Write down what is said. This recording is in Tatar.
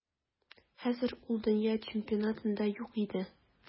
Хәзер ул дөнья чемпионатында юк иде.